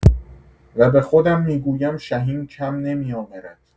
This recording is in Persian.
و به خودم می‌گویم شهین کم نمی‌آورد.